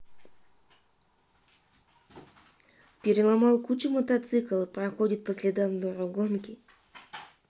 переломал кучу мотоцикл проходит по следам дура гонки